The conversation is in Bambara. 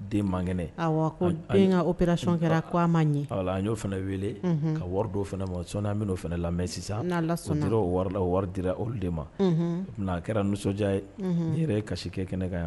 Den man kɛnɛ orac kɛra ko ma ɲɛ n y'o fana wele ka wari don fana ma sɔ bɛ o fana la mɛ sisan o wari la o wari dira olu de ma kɛra nisɔndiya ye n yɛrɛ ye kasisi kɛ kɛnɛ ka yan